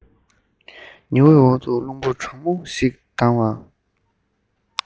ཉི འོད འོག ཏུ རླུང བུ གྲང མོ ཞིག ལྡང བ